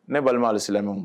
Ne balima alisilamɛw